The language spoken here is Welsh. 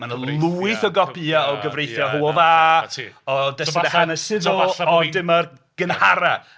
Mae 'na lwyth o gopïau o gyfreithiau Hywel Dda o destunau hanesyddol, ond dyma'r gynharaf.